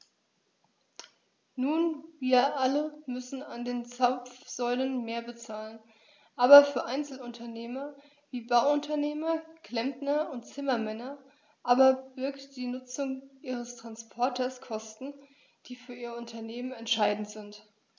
Nun wir alle müssen an den Zapfsäulen mehr bezahlen, aber für Einzelunternehmer wie Bauunternehmer, Klempner und Zimmermänner aber birgt die Nutzung ihres Transporters Kosten, die für ihr Unternehmen entscheidend sind.